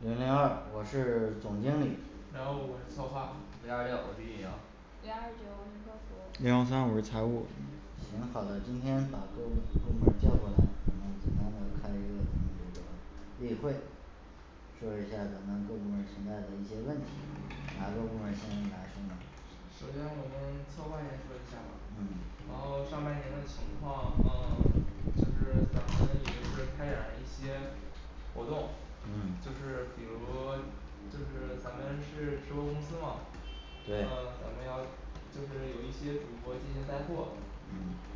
零零二我是总经理零幺五我是策划零二六我是运营零二九我是客服零幺三我是财务嗯行好的，今天把各个部门儿叫过来咱们简单的开一个咱们那个例会说一下咱们各部门儿存在的一些问题，哪个部门先来说呢首先我们策划先说一下吧嗯然后上半年的情况，呃就是咱们也是开展一些活动嗯就是比如就是咱们是直播公司嘛呃对咱们要就是有一些主播进行带货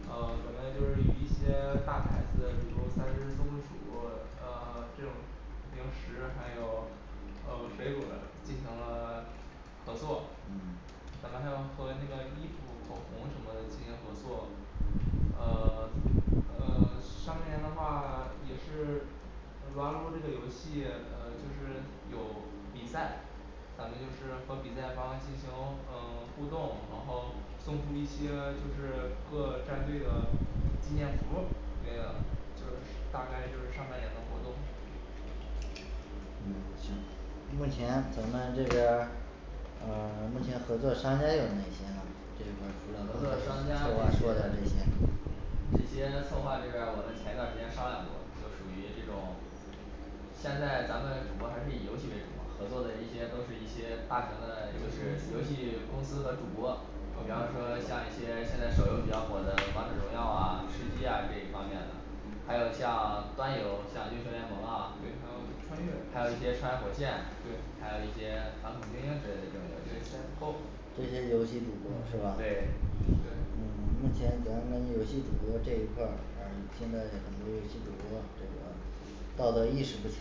嗯啊咱们就是与一些大牌子，比如三只松鼠呃 这种零食还有啊水果了进行了 合作嗯咱们还要和那个衣服口红什么的进行合作。啊 呃 上半年的话 也是撸啊撸这个游戏呃就是有比赛咱们就是和比赛方进行呃 互动，然后送出一些就是各战队的纪念服儿这个，就是大概就是上半年的活动。嗯行目前咱们这边儿合作商家这些这些策划这边儿我们前一段儿时间商量过就属于这种现在咱们主播还是以游戏为主，合作的一些，都是一些大型的就是游戏公司和主播啊比方说像一些现在手游比较火的王者荣耀哇吃鸡呀这一方面的还有像端游，像英雄联盟啊对还有穿越还有一些穿越火线对还有一些反恐精英之类的这种对游戏 C S go 这些游戏主播是吧对对道德意识不强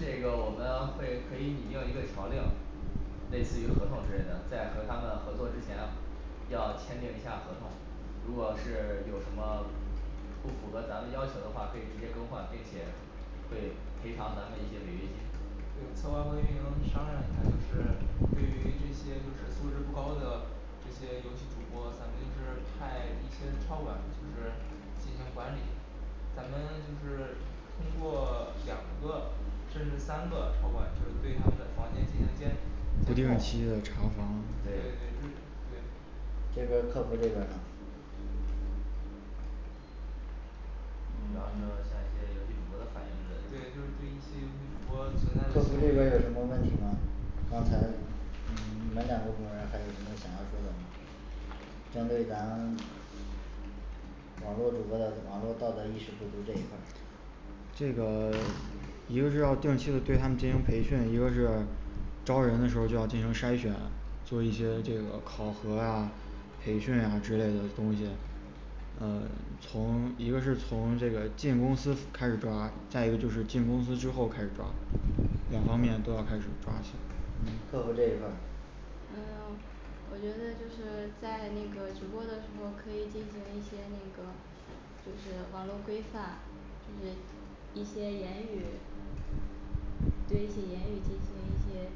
这个我们会可以拟定一个条令类似于合同之类的，在和他们合作之前要签订一下合同如果是有什么不符合咱们要求的话，可以直接更换，并且会赔偿咱们一些违约金对策划和运营商量一下就是对于这些就是素质不高的这些游戏主播，咱们就是派一些超管就是进行管理咱们就是通过 两个甚至三个超管，就是对他们的房间进行监不监定控期的查房对对对日对这边儿客服这边儿呢比方说像一些游戏主播的反应之类的对就是对一些游戏主播存在的行为针对咱网络主播的网络道德意识不足这一块儿这个 一个是要定期的对他们进行培训，一个是招人的时候就要进行筛选做一些这嗯个考核啊培训呀之类的东西啊从一个是从这个进公司开始抓，再一个就是进公司之后开始抓，两方面都要开始抓起嗯客服这一块儿对一些言语进行一些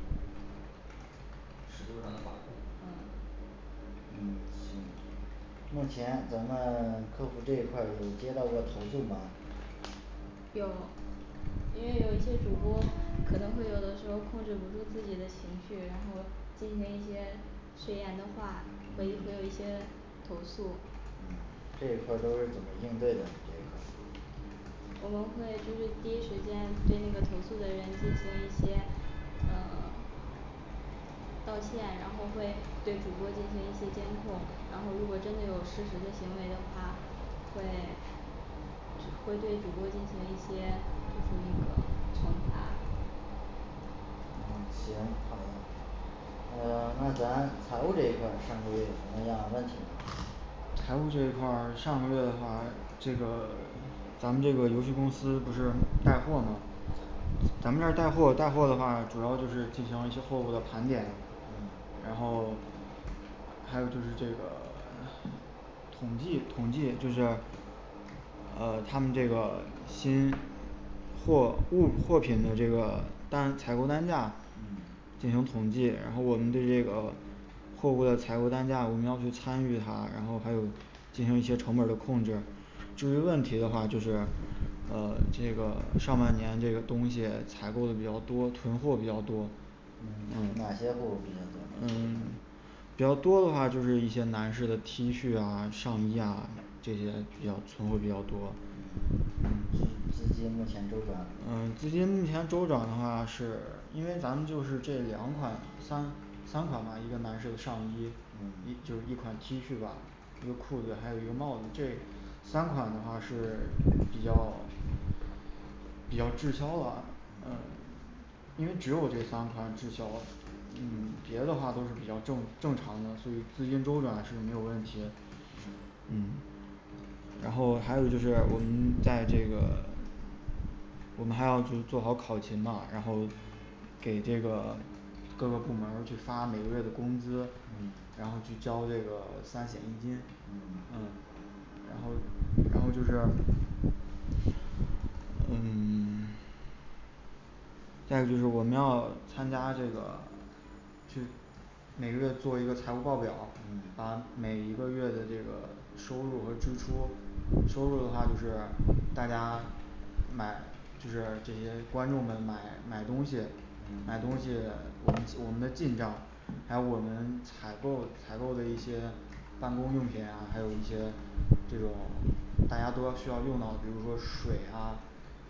尺度上的把控嗯嗯行目前咱们 客服这一块儿有接到过投诉吗有因为有一些主播可能会有的时候儿控制不住自己的情绪，然后进行一些巡演的话，会有一些投诉嗯这一块儿都是怎么应对的呢这一块儿我们会就是第一时间对那个投诉人员进行一些嗯道歉，然后会对主播进行一些监控，然后如果真的有事实的行为的话会会对主播进行一些那个惩罚行好的嗯那咱财务这一块儿上个月有什么样的问题呢财务这一块儿上个月的话这个咱们这个游戏公司不是带货嘛咱们这儿带货带货的话主要就是进行货物要盘点然后 还有就是这个统计统计就是呃他们这个先货物货品的这个单采购单价嗯进行统计，然后我们对这个货物的采购单价我们要去参与它，然后还有进行一些成本儿的控制。至于问题的话，就是呃这个上半年这个东西采购的比较多，存货比较多，嗯比较多的话就是一些男士的T恤呀上衣呀这些比较存货比较多嗯资资资金目前周转啊资金目前周转的话是因为咱们就是这两款三三款吧一个男士的上衣一嗯就是一款T恤吧还有个裤子还有一个帽子，这三款的话是比较比较滞销了嗯嗯因为只有这三款滞销嗯别的话都是比较正正常的，所以资金周转是没有问题的嗯嗯然后还有就是我们在这个我们还要去做好考勤嘛然后给这个各个部门儿去发每个月的工资嗯然后去交这个三险一金嗯嗯然后然后就是嗯 再就是我们要参加这个去嗯收入的话就是，大家买就是这些观众们买买东西，买嗯东西我们我们的进账，还有我们采购采购的一些办公用品呀，还有一些这种的大家多需要用到，比如说水啊，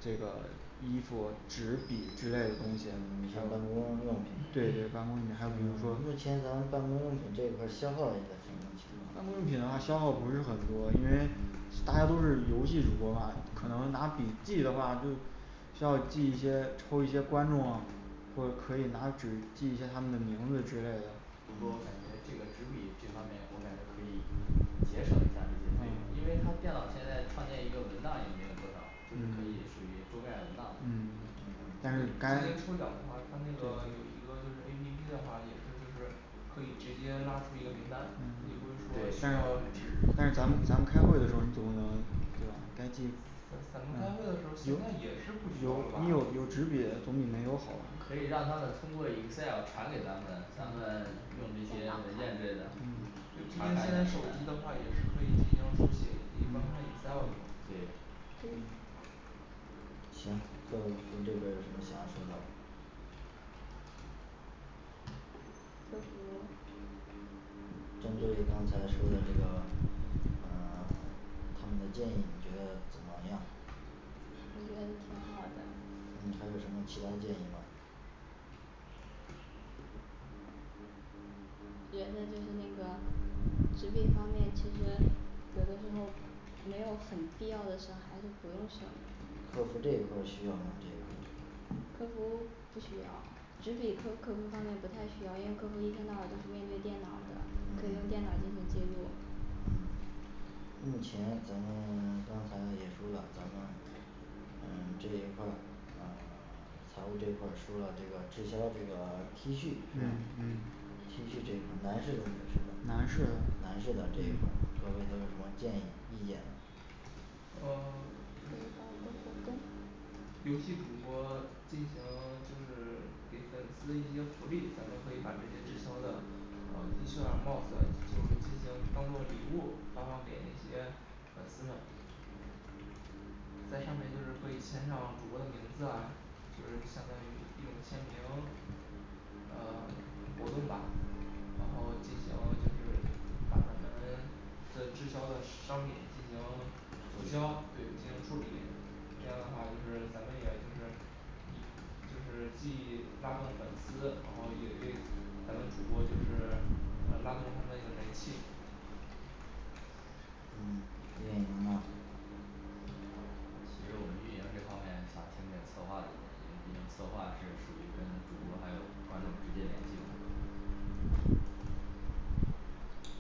这个衣服纸笔之类的东西嗯像办公用品对办公用品办公用品的话消耗不是很多因为大家都是游戏主播吧可能拿笔记的话他就需要记一些抽一些观众或者可以拿纸记一下他们的名字之类的主播感嗯觉这个纸笔这方面我感觉可以节省一下这些费用，因为他电脑现在创建一个文档也没有多少，就是可嗯以属于桌面儿文档嗯但是会今但是年抽奖的话，他那个有一个就是A P P的话也是就是可以直接拉出一个名单，也不是说对需但是要纸但是咱们开会的时候你总不能对吧该去咱咱们开会的时候，现在也是不需要了没有吧用纸笔来统计内容好可以让他们通过excel传给咱们，咱们用这些文件之类的。就今天现在手机的话也是可以进行手写以及观看excel的嘛对对行客服这边儿有什么想要说的客服针对刚才说的那个嗯 他们的建议你觉得怎么样嗯还有什么其它建议吗觉得就是那个实力方面其实客服这一块儿需要吗这一个客服不需要纸笔客客服方面不太需要，因为客服一天到晚儿都是面对电脑的，可以用电嗯脑进行记录嗯嗯嗯 T恤这部分男士的女士的男士的男士的这一款嗯各位都有什么建议意见吗啊可以搞一个活动游戏主播进行就是给粉丝一些福利，咱们可以把这些滞销的呃T恤儿呀帽子啊就是进行当做礼物发放给那些粉丝们在上面就是可以签上主播的名字啊就是相当于一种签名呃 活动吧然后进行就是把咱们是滞销的商品进行促处销理对进行处理这样的话就是咱们也就是你就是既拉动粉丝，然后也对咱们主播就是啊拉动他们人气嗯运营那儿其实我们运营这方面想听听策划这边，因为毕竟策划是属于跟主播还有观众直接联系嘛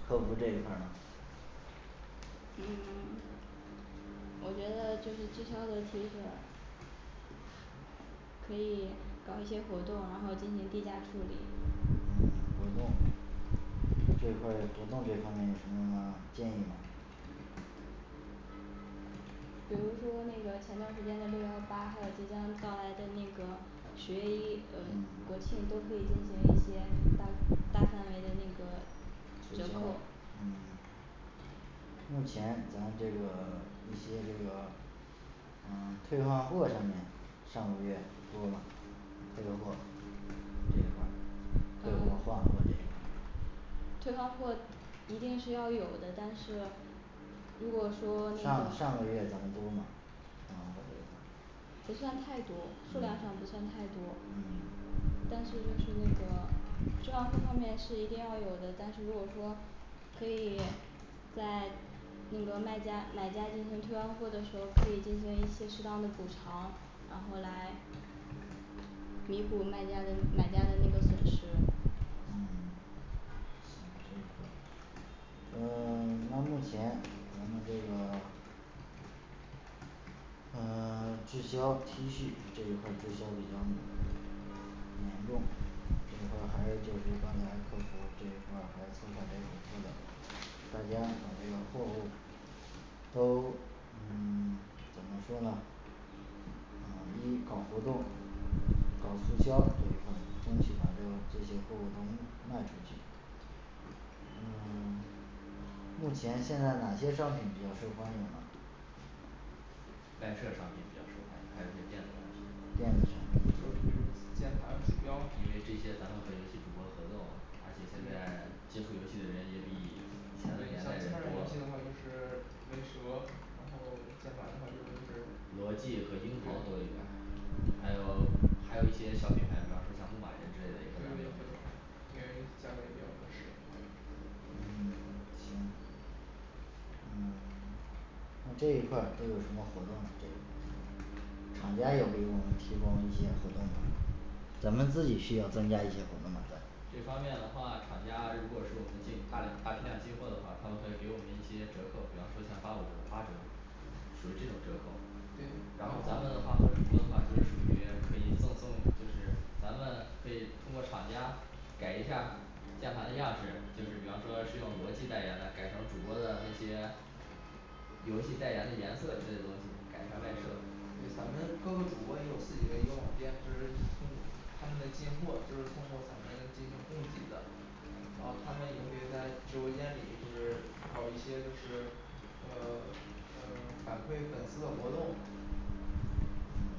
客服这一块儿呢嗯 可以搞些活动，然后进行低价处理嗯活动这块儿活动这块儿有什么建议吗比如说那个前段儿时间的六幺八还有即将到来的那个十月一呃嗯国庆都可以进行一些大大范围的那个促销折扣嗯目前咱们这个 一些这个啊退换货上面，上个月多吗退货这一块儿退货换货这一块儿退换货一定是要有的但是如果说那个上上个月咱们多吗啊不算太多，数量上不嗯算太多嗯但是就是那个退换货商品是一定要有的，但是如果说可以在那个卖家买家进行退换货的时候，可以进行一些适当的补偿，然后来弥补卖家的买家的那个损失。嗯嗯退货呃 那目前咱们这个呃滞销T恤这一块促销比较难严重都嗯怎么说呢嗯一搞活动搞促销这一阵，争取把这个这些货物都卖出去嗯 目前现在哪些商品比较受欢迎呢外设商品比较受欢迎，还有一些电子产品电子就比产品如键盘鼠标因为这些咱们和游戏主播合作嘛而且现在接触游戏的人也比前两年带的人多了还有还有一些小品牌，比方说像木马人之类的对也对和咱们对有合作因为价格也比较合适。嗯行嗯咱们自己需要增加一些活动嘛咱们这方面的话，厂家如果是我们进大量大批量进货的话，他会给我们一些折扣，比方说像八五折八折，属于这种折扣对然后咱们的话和主播的话就是属于可以赠送就是，咱们可以通过厂家改一下游戏代言的颜色之类的东西，改一下外设对咱们各个主播也有自己的一个网店，就是他们的进货就是通过咱们进行供给的然后他们也会在直播间里就是搞一些就是呃 呃 反馈粉丝的活动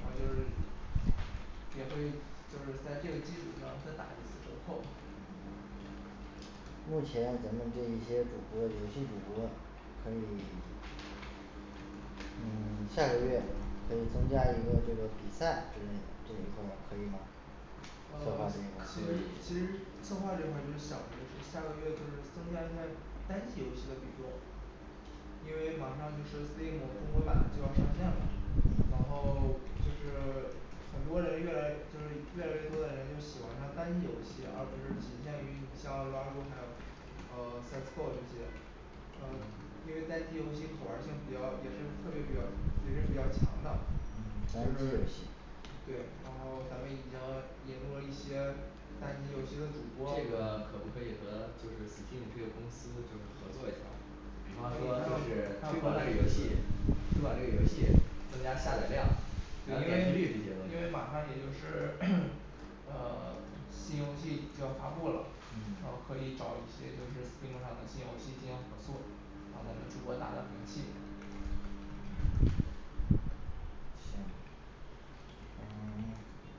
然后就是也会就是在这个基础上再打一次折扣嗯目前咱们这一些主播游戏主播可以 可以因为马上就是steam，中国版就要上线了然后 就是 很多人越来就是越来越多的人就喜欢上单机游戏，而不是仅限于你像撸啊撸还有啊因为单机游戏可玩儿性比较也是特别比较也是比较强的。就单机游是戏对，然后咱们已经引入了一些单机游戏的主这播个可不可以和就是steam这个公司就是合作一下儿比方说就是推广这个游戏推广这个游戏增加下载量，因为因为马上也就是 啊新游戏就要发布了，然后嗯可以找一些就是steam上的新游戏进行合作让咱们主播打打名气行嗯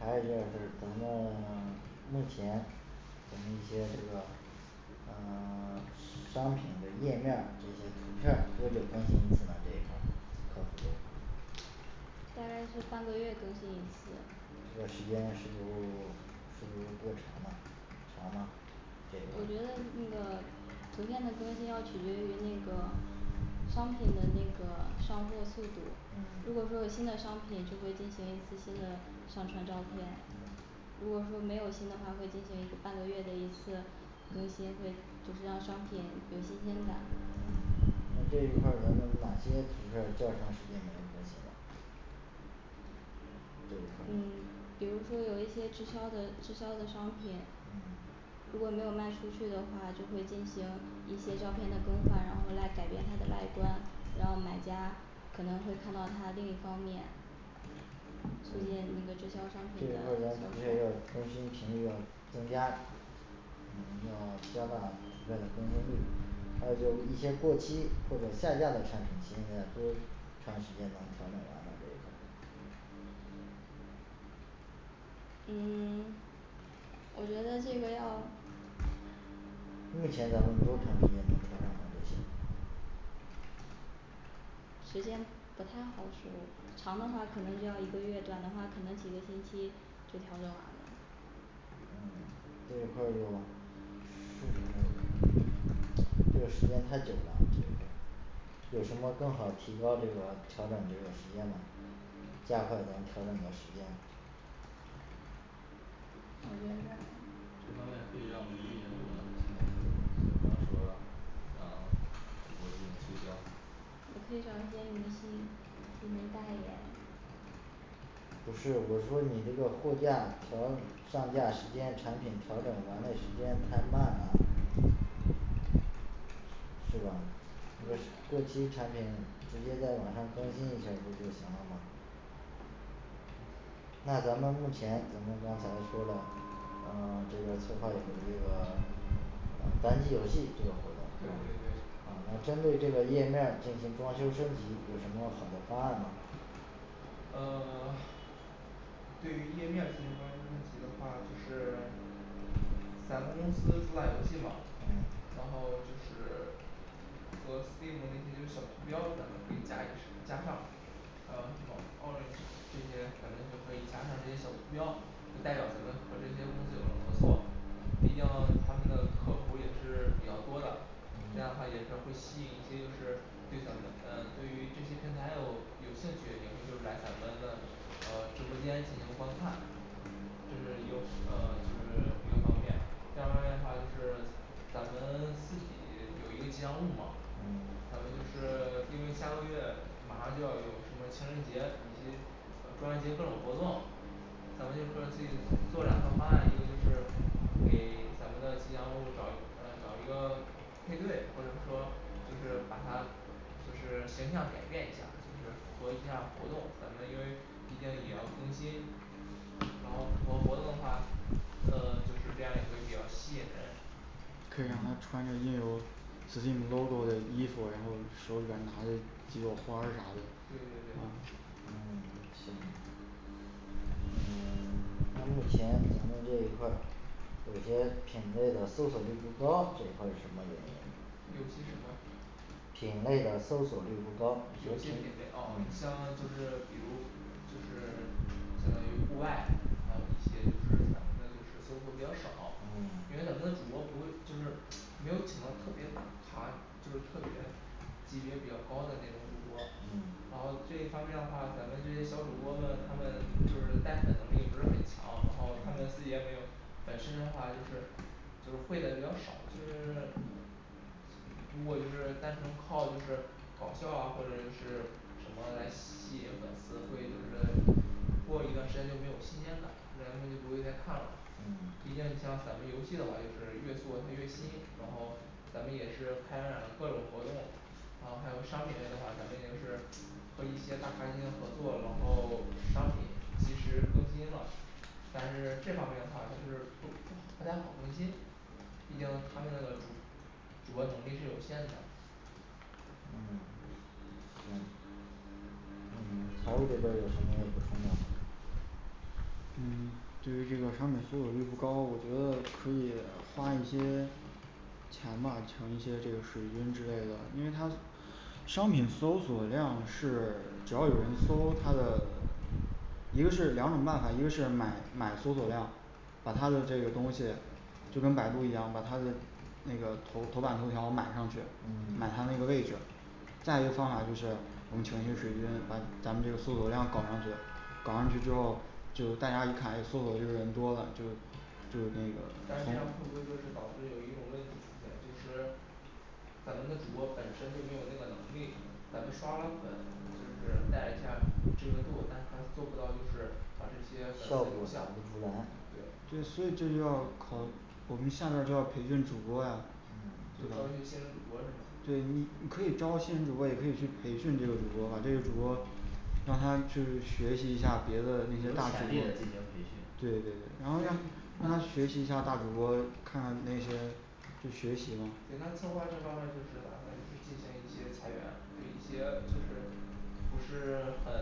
还有一个是咱们 目前进行一些这个嗯 商品的页面儿，这些图片多久更新一次呢这一块儿大概是半个月更新一次这我觉个得那个图片的更新要取决于那个商品的那个上货速度，嗯如果说有新的商品就可以进行一次新的上传照片如果说没有新的话，会进行一半个月的一次有一些会就是让商品有新鲜感嗯那这一块儿咱们哪些图片儿较长时间没有更新了这一块儿嗯比如说有一些滞销的滞销的商品嗯如果没有卖出去的话，就会进行一些照片的更换，然后来改变它的外观。然后买家可能会看到它另一方面嗯 我觉得这个要目前咱们多长时间能把销量提上去时间不太好，说长的话可能就要一个月，短的话可能几个星期就调整完了嗯这一块儿就这个这个时间太久了这块儿有什么更好提高这个调整这个时间的加快咱们调整的时间我觉得这方面可以让我们运营部门进行合作，就比方说让主播进行促销也可以找一些明星进行代言不是，我说你这个货架调上架时间产品调整完了，时间太慢了是吧那过期产品直接在网上更新一下儿不就行了吗？那咱们目前咱们刚才说了，刚刚这边儿策划与那个 啊单机游戏这种活动对吗对对对啊那针对这个页面儿进行装修升级有什么好的方案吗呃 对于页面进行装修问题的话就是 咱们公司主打游戏嘛嗯然后就是和steam那些就是小图标，咱们可以加一是 加上还有什么orange这些，咱们就可以加上这些小图标就代表咱们和这些公司有了合作毕竟他们的客服儿也是比较多的这样的话也是会吸引一些就是对咱们呃对于这些平台有有兴趣，也会就是来咱们的呃直播间进行观看这是有呃就是一个方面。第二方面的话就是，咱们自己有一个吉祥物嘛嗯咱们就说自己做两套方案一个就是给咱们的吉祥物找呃找一个配对，或者说就是把它就是形象改变一下，就是符合一下活动，咱们因为毕竟也要更新然后活活动的话，呃就是这样也会比较吸引人可以让它嗯穿着印有对对对对嗯行有些什么就是相当于户外还有一嗯些就是咱们的就是搜索比较少嗯因为咱们的主播不就是没有请到特别大咖就是特别级别比较高的那种主播嗯然后这一方面的话，咱们这些小主播们他们就是带粉能力不是很强，然后他们自嗯己也没有本身的话就是就是会的也比较少。就是 如果就是单纯的靠就是搞笑哇或者是什么来吸引粉丝会就是过一段时间就没有新鲜感，人就不会再看了嗯毕竟你像咱们游戏的话就是越做它越新然后咱们也是开展了各种活动啊还有商品类的话，咱们也就是和一些大咖进行合作，然后商品及时更新了但是这方面的话它就是不不好不太好更新毕竟它们那个主 主播能力是有限的嗯嗯嗯财务这边儿有什么要补充的吗嗯对于这个产品搜索率不高，我觉得可以花一些商品搜索量是只要有人搜它的一个是两种办法，一个是买买搜索量把它的这个东西就跟百度一样，把它的那个头头版头条我满上去嗯满上那个位置再一个方法就是我们请一些水军把咱们这个搜索量搞上去，搞上去之后，就是大家一抬搜索的人多了就就是那个但这样会不会就是导致有一种问题出现就是咱们的主播本身就没有那个能力咱们刷了粉就是带一下儿知名度，但是他做不到就是把这些粉丝留下对所以这就要靠我们下面儿就要培训主播呀嗯就招一些新人主播是吗对，你你可以招新人主播，也可以去培训这个主播，把这个主播让他去学习一下别的有潜这个大主播力的，进行培训对对，然后用让他学习一下大主播，看那些就学习嘛给它策划这方面就是打算就是进行一些裁员就一些就是不是 很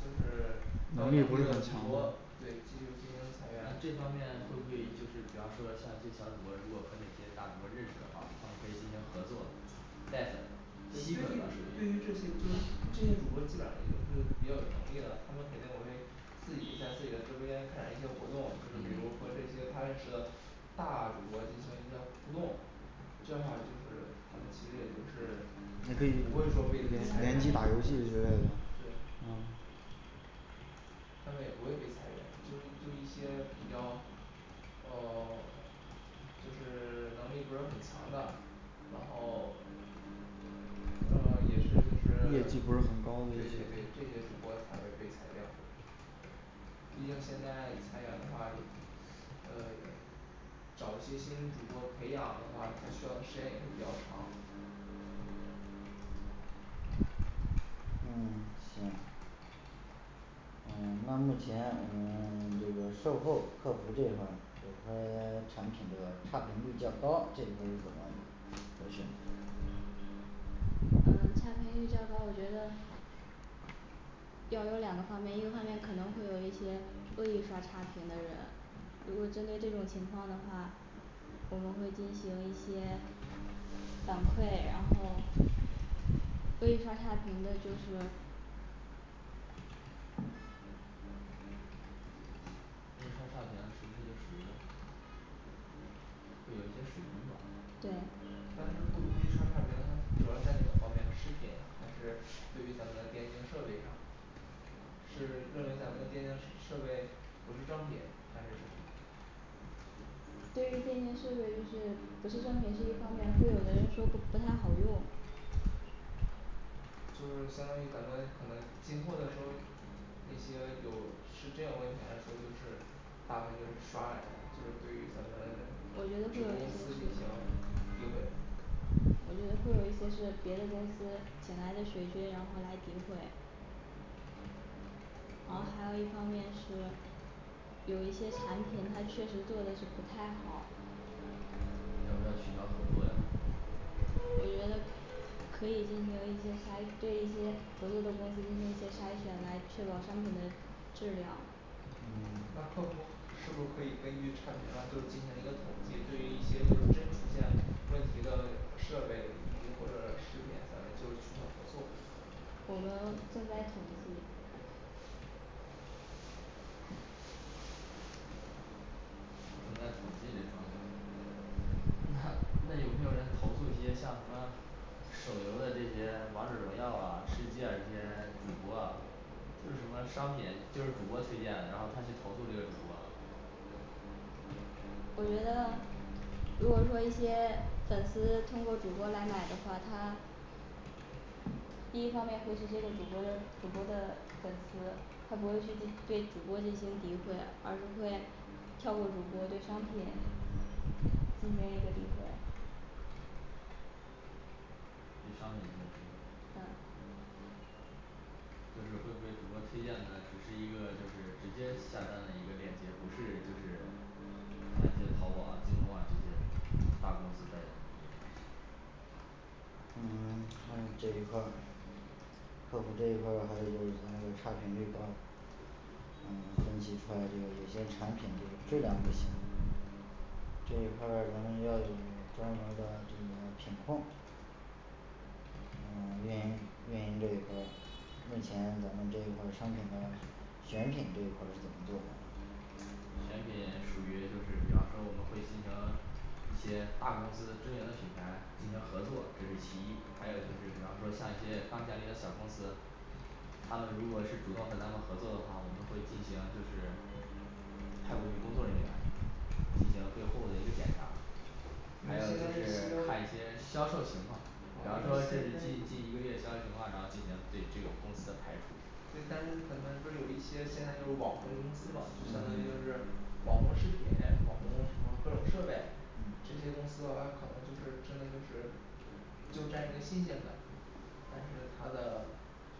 就是 能力不是很强的对这就是进行裁那员这方面，会不会就是比方说的像这些小主播，如果和哪些大主播认识的话，他们可以进行合作？带粉吸其实粉吧属对于于这些就是这些主播基本上也就是比较有能力的，他们肯定会。自己在自己的周边开展一些活动，就是比如嗯说这些他认识的大主播进行一些互动这话就是他们其实也就是连麦打游戏对他们也不会被裁员就就一些比较哦 就是 能力不是很强的。然后 呃也是业就是 绩不是很高对对的对这些主播才会被裁掉毕竟现在裁员的话也呃也找一些新人主播培养的话它需要的时间也是比较长，嗯行呃差评率较高我觉得要有两个方面，一个方面可能会有一些恶意刷差评的人如果针对这种情况的话我们会进行一些反馈然后恶意刷差评的就是故意刷差评是不是就属于会有一些水军吧对但是故故意刷差评他主要在哪个方面视频还是对于咱们的电竞设备上是认为咱们的电竞设设备不是正品还是什么对于电竞设备就是不是正品是一方面，会有的人说不不太好用就是相当于咱们可能进货的时候，那些有是真有问题，还是说就是大部分就是刷了一下，就是对于咱们整个公司进行诋毁我觉得会有一些是别的公司请来的水军然后来诋毁然后还有一方面是有一些产品它确实做的是不太好要不要取消合作呀和他我觉得可以进行一些筛对一些合作的公司进行一些筛选来确保商品的质量嗯那客服是不是可以根据差评上就是进行一个统计，对于一些就是真出现问题的设备以及或者食品，咱们就取消合作。我们正在统计正在统计这方面那 那有没有人投诉一些像什么手游的这些王者荣耀哇吃鸡呀这些主播啊就是什么商品就是主播推荐，然后他去投诉这个主播了。我觉得如果说一些粉丝通过主播来买的话，他第一方面会去接受主播的主播的粉丝，他不会去进对主播进行诋毁而是会跳过主播对商品进行一个诋毁对商品进行诋毁嗯就是会不会主播推荐的只是一个就是直接下单的一个链接，不是就是像一些淘宝啊京东啊这些大公司代言的这些东西嗯像这一块儿选品这一块儿怎么做选品属于就是比方说我们会进行一些大公司知名的品牌进行合作，这是其一。还有就是比方说像一些刚建立的小公司，他们如果是主动和咱们合作的话，我们会进行就是派过去工作人员进行对货物的一个检查。还有现就在是是看一些销售情况比方说这是近近一个月销售情况，然后进行对这个公司的排除对但是咱们不是有一些现在就是网红公司嘛就相当于就是网红食品网红什么各种设备嗯这些公司的话可能真的就是就占一个新鲜感但是它的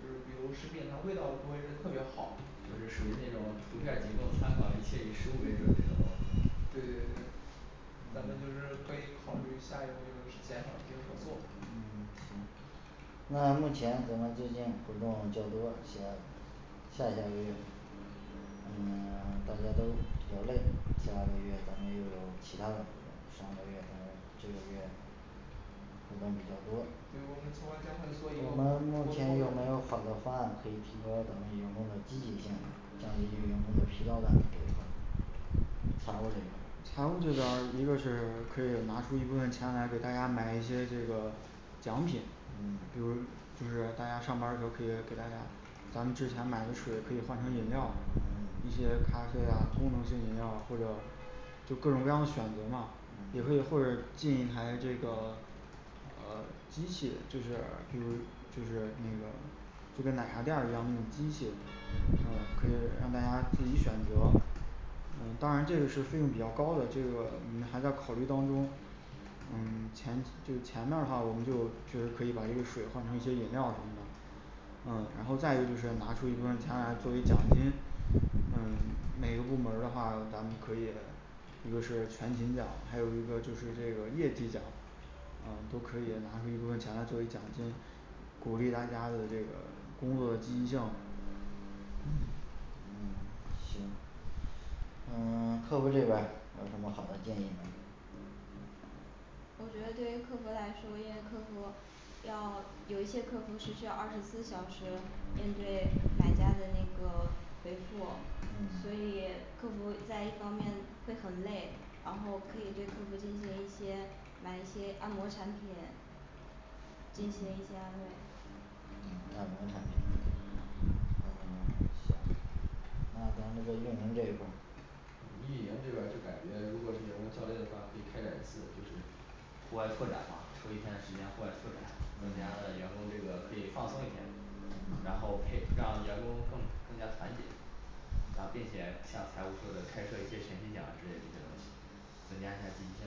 就是比如食品它味道不会是特别好就是属于那种图片儿仅供参考，一切以实物为准这种东西对对对对咱们就是可以考虑下一步就是减少一些合作嗯行下一个月对我们策划将会我做们一个目沟前通有，没有好的方案可以提高我们员工的积极性降低员工的疲劳感这一块儿财务这边儿财务这边儿，一个是可以拿出一部分钱来给大家买一些这个奖品嗯比如就是大家上班儿时候可以给大家咱们之前买的水可以换成饮料，一些咖啡呀功能性饮料呀或者就各种各样选择嘛，也可嗯以或者进一台这个啊机器就是比如就是那个就跟奶茶店儿一样，那种机器嗯可以让大家自己选择。嗯当然这个是费用比较高的这个，我们还在考虑当中嗯然后再一个就是拿出一个大家作为奖金，嗯每个部门儿的话咱们可以就是全勤奖，还有一个就是这个业绩奖，啊都可以拿出一部分钱来作为奖金，鼓励大家的这个工作的积极性嗯行嗯 客服这边儿有什么好的建议吗我觉得对于客服来说，因为客服要 有一些客服是需要二十四小时面对买家的那个回复所嗯以客服在一方面会很累然后可以对客服进行一些买一些按摩产品进行一些安慰。嗯 行那咱们这运营这一块儿运营这边儿就感觉如果是员工较累的话，可以开展一次就是户外拓展，嘛抽一天的时间户外拓展，增加嗯的员工这个可以放松一天然后配让员工更更加团结然后并且像财务说的开设一些全勤奖啊之类的这些东西增加一下积极性。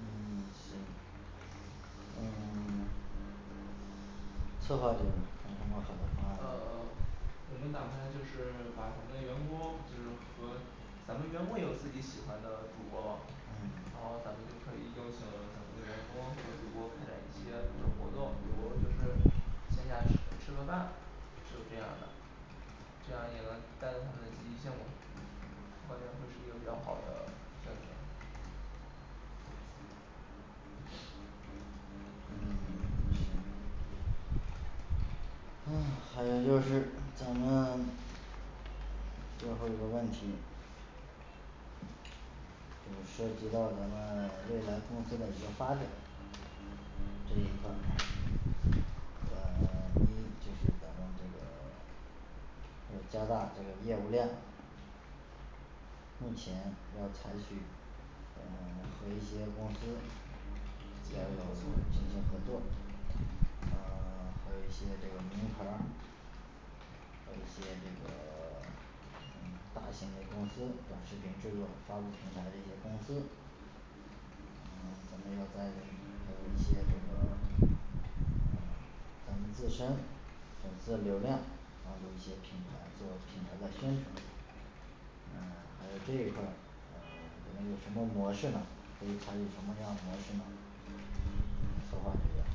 嗯 行嗯 策划方面儿有什么好的方案呃呃我们打算就是把咱们的员工就是和咱们员工也有自己喜欢的主播嘛然嗯后咱们就可以邀请咱们的员工和主播开展一些就是活动，比如就是线下吃呃吃个饭就这样儿的这样也能带动他们的积极性嘛我感觉会是一个比较好的选择。嗯行嗯还是就是咱们最后一个问题这一块儿咱 一就是咱们这个就是加大这个业务量，目前要采取咱们和一些公司进行合作进行合作然后还有一些这个名牌儿和一些那个 大型的公司，短视频制作发布平台的这些公司嗯咱们自身整个流量还有一些品牌做品牌的宣传嗯还有这一块儿呃咱们有什么模式呢可以采取什么样模式呢策划这边儿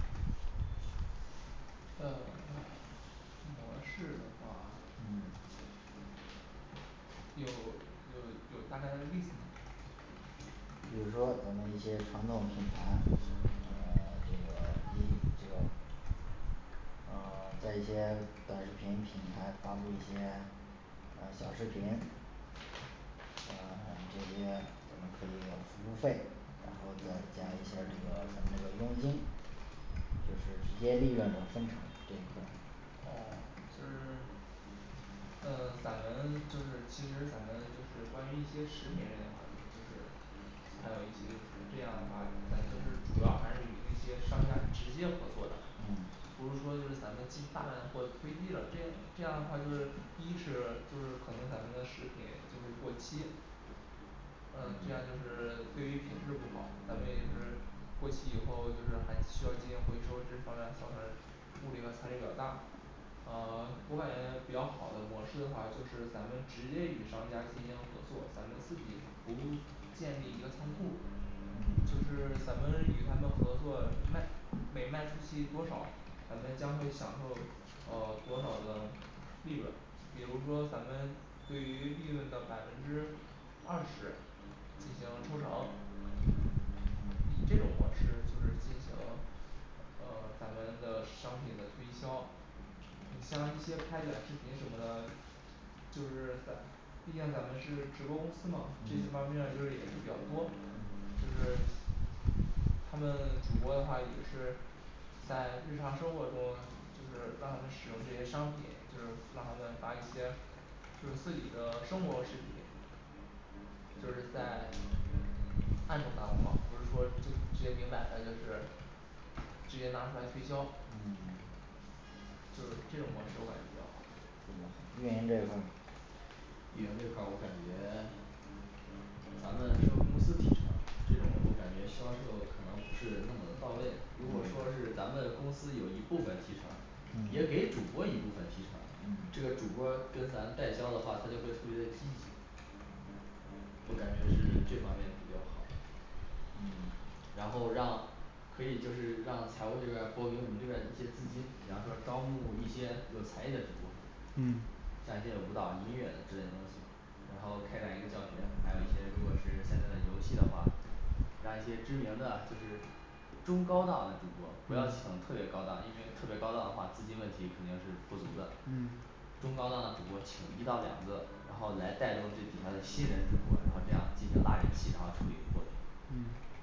呃 模式的话嗯有有有大概的例子吗？嗯 在一些短视频平台发布一些嗯短视频嗯咱们这些嗯这些服务费我再讲一下儿这个咱们这个佣金，就是直接利润分成这一块儿，啊就是嗯咱们就是其实咱们就是关于一些食品类的话，就是还有一些就是这样的话，咱就是主要还是与那些商家直接合作的嗯呃这样就嗯是 对于品质不好，咱们也就是过期以后就是还需要进行回收，这方面儿造成物力和财力比较大。啊我感觉比较好的模式的话，就是咱们直接与商家进行合作，咱们自己不建立一个通户就是咱们与他们合作卖每卖出去多少，咱们将会享受呃多少的利润，比如说咱们对于利润的百分之二十进行抽成以这种模式就是进行呃咱们的商品的推销，你像一些拍短视频什么的，就是咱毕竟咱们是直播公司嘛这些嗯方面儿就是也是比较多就是他们主播的话也是在日常生活中就是让他们使用这些商品，就是让他们发一些就是自己的生活视频就是在暗中打广告，不是说就直接明摆的就是直接拿出来推销嗯就是这种模式我感觉比较嗯运营这一块儿，运营这块儿我感觉咱们收公司提成这种，我感觉销售可能不是那么到位，如果嗯说是咱们公司有一部分提成也嗯给主播一部分提成这个嗯主播跟咱代销的话，他就会特别的积极我感觉是这方面比较好嗯然后让可以就是让财务这边儿拨用我们这边儿一些资金，比方说招募一些有才艺的主播嗯像一些舞蹈音乐的之类的东西，然后开展一个教学，还有一些如果是现在的游戏的话让一些知名的就是中高档的主播不要请特别高档，因为特别高档的话，资金问题肯定是不足的嗯中高档的主播请一到两个，然后来带动这底下的新人主播，然后这样进行拉人气然后处理货品嗯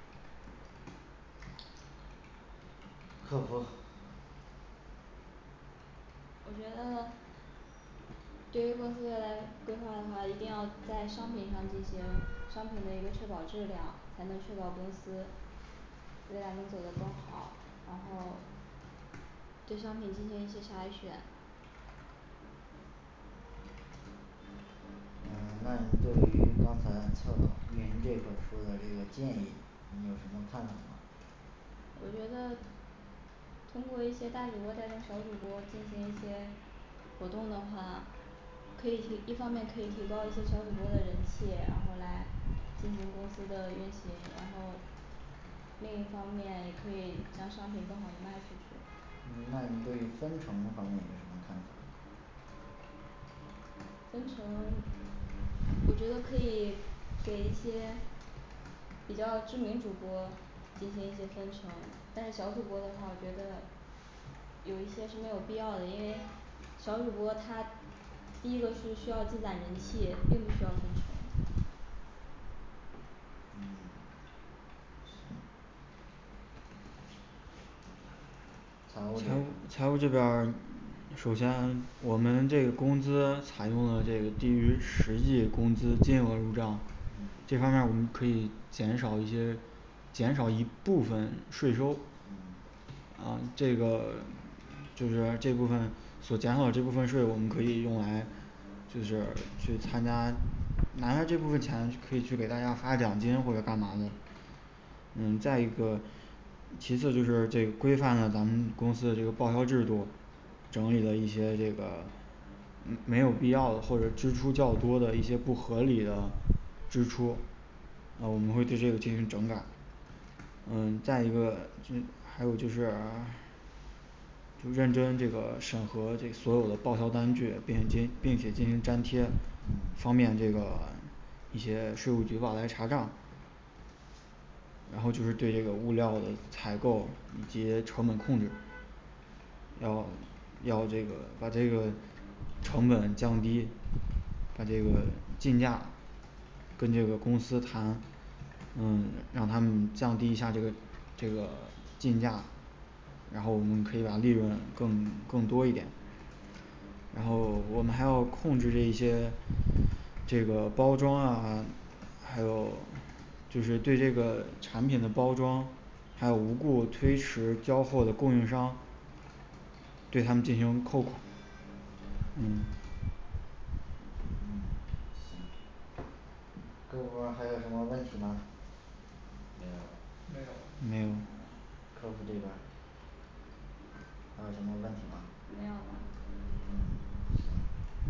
客服我觉得对于公司未来规划的话，一定要在商品上进行商品的一个确保质量，才能确保公司未来能走的都好，然后对商品进行一些筛选。嗯那你对于刚才测运营这块儿说的这个建议你有什么看法吗我觉得通过一些大主播带动小主播进行一些活动的话可以去一方面可以提高一些小主播的人气，然后来进行公司的运行，然后另一方面也可以将商品更好的卖出去。嗯那你对分成方面有什么看法分成我觉得可以给一些比较知名主播进行一些分成，但是小主播的话我觉得有一些是没有必要的，因为小主播他第一个是需要积攒人气，并不需要分成嗯财务财务这边儿财务这边儿首先我们这个工资采用了这个低于实际工资金额入账这方面儿我们可以减少一些减少一部分税收嗯啊这个就是这部分首先呢这部分是我们可以用来就是去参加拿着这部分钱去可以去给大家发奖金或者干嘛的。嗯再一个其次就是这规范了咱们公司的这个报销制度整理了一些这个没有必要或者支出较多的一些不合理的支出哦我们会对这个进行整改。嗯再一个情还有就是认真这个审核这所有的报销单据，并进并且进行粘贴嗯方便这个一些税务主管来查账然后就是对这个物料的采购以及成本控制要要这个把这个成本呢降低，把这个进价跟这个公司谈嗯让他们降低一下这个这个进价然后我们可以把利润更更多一点然后我们还要控制一些这个包装啊还有就是对这个产品的包装还有无故推迟交货的供应商对他们进行扣款。嗯嗯行各部门儿还有什么问题吗没有没有没没有有了了客服这边儿还有什么问题吗没有了嗯行